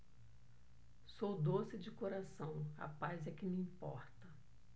sou doce de coração a paz é que me importa